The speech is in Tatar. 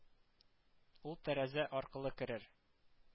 Ул тәрәзә аркылы керер